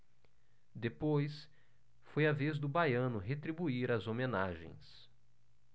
depois foi a vez do baiano retribuir as homenagens